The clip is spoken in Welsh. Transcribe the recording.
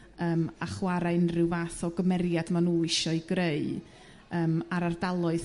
Yrm a chwar'e unrhyw fath o gymeriad ma' nhw isio'i greu yrm ar ardaloedd